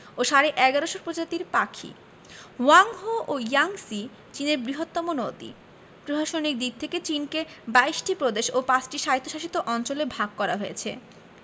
ও সাড়ে ১১শ প্রজাতির পাখি হোয়াংহো ও ইয়াংসি চীনের বৃহত্তম নদী প্রশাসনিক দিক থেকে চিনকে ২২ টি প্রদেশ ও ৫ টি স্বায়ত্তশাসিত অঞ্চলে ভাগ করা হয়েছে